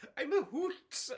I'm a hoot.